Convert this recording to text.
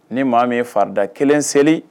Ni maa min ye farida kelen seli